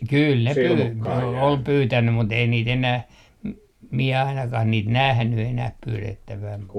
kyllä ne -- oli pyytänyt mutta ei niitä enää minä ainakaan niitä nähnyt enää pyydettävän -